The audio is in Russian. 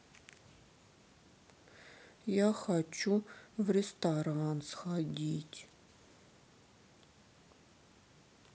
я хочу в ресторан сходить